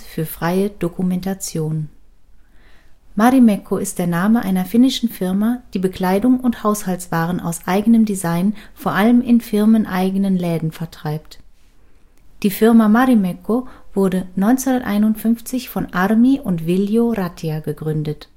freie Dokumentation. Marimekko ist der Name einer finnischen Firma, die Bekleidung und Haushaltswaren aus eigenem Design vor allem in firmeneigenen Läden vertreibt. Die Firma Marimekko wurde 1951 von Armi und Viljo Ratia gegründet